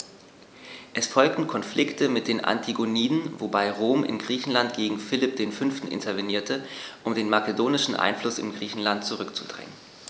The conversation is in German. Es folgten Konflikte mit den Antigoniden, wobei Rom in Griechenland gegen Philipp V. intervenierte, um den makedonischen Einfluss in Griechenland zurückzudrängen.